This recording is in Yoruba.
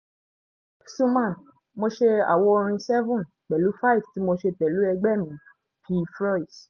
Xuman mo ṣe àwo orin 7, pẹ̀lú 5 tí mo ṣe pẹ̀lú ẹgbẹ́ mi Pee Froiss.